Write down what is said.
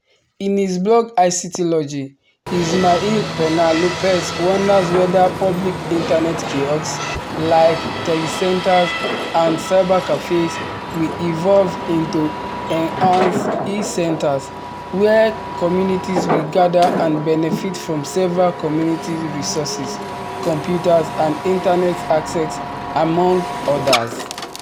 In his blog ICTlogy, Ismael Peña-López wonders whether public internet kiosks like telecentres and cybercafés will evolve into enhanced e-centers, “where communities will gather and benefit from several community resources, computers and Internet access among others?